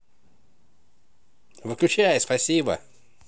выключай спасибо